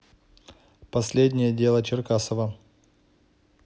последнее дело черкасова